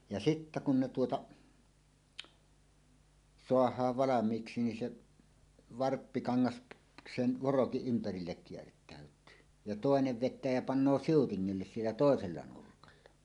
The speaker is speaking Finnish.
ja sitten kun ne tuota saadaan valmiiksi niin se varppikangas sen vorokin ympärille kiertäytyy ja toinen vetää ja panee siutingille siellä toisella nurkalla